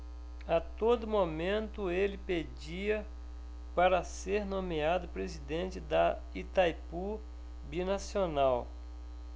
a todo momento ele pedia para ser nomeado presidente de itaipu binacional